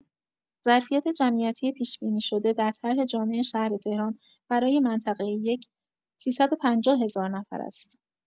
ظرفیت جمعیتی پیش‌بینی شده در طرح جامع شهر تهران برای منطقه یک ۳۵۰۰۰۰ نفر است.